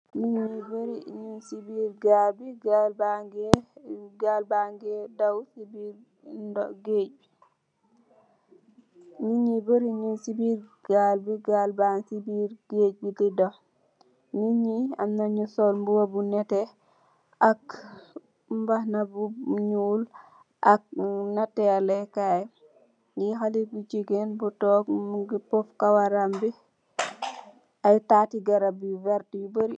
Niñu bori ñung si biir gaal bi, gaal baangee daw si biir geej bi, niñi amna ñu sol mbuba bu neteh, ak mbahna bu nyuul, ak nataalee kaay, ñii halle bu jigeen bu took, mungi peuf kawaram bi, aye taati garap yu bori.